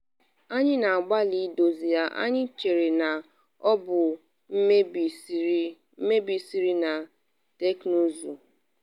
Anyị nọ na-agbalị idozi ya, anyị chere na ọ bụ mmebi siri na teknụzụ.